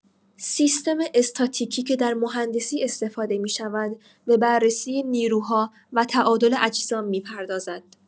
سیستم استاتیکی که در مهندسی استفاده می‌شود، به بررسی نیروها و تعادل اجسام می‌پردازد.